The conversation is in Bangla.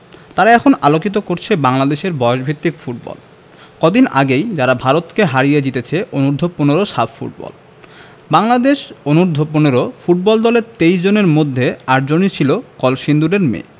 তারা এখন আলোকিত করছে বাংলাদেশের বয়সভিত্তিক ফুটবল কদিন আগেই যারা ভারতকে হারিয়ে জিতেছে অনূর্ধ্ব ১৫ সাফ ফুটবল বাংলাদেশ অনূর্ধ্ব ১৫ ফুটবল দলের ২৩ জনের মধ্যে ৮ জনই ছিল কলসিন্দুরের মেয়ে